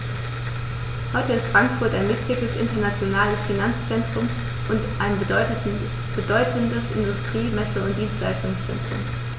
Heute ist Frankfurt ein wichtiges, internationales Finanzzentrum und ein bedeutendes Industrie-, Messe- und Dienstleistungszentrum.